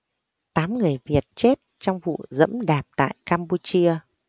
tám người việt chết trong vụ giẫm đạp tại campuchia